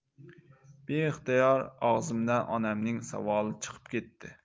beixtiyor og'zimdan onamning savoli chiqib ketdi